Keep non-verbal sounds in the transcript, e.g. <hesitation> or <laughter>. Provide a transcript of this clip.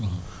<hesitation> <hesitation>